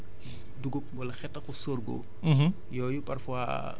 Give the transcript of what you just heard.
peut être xeatxu dugub wala xetaxu sorgho